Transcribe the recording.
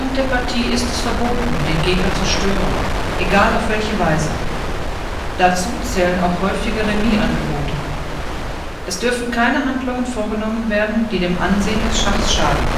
der Partie ist es verboten, den Gegner zu stören, egal auf welche Weise. Dazu zählen auch häufige Remisangebote. Es dürfen keine Handlungen vorgenommen werden, die dem Ansehen des Schachs schaden